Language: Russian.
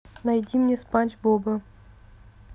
найди мне спанч боба